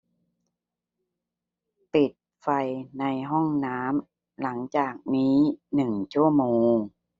ปิดไฟในห้องน้ำหลังจากนี้หนึ่งชั่วโมง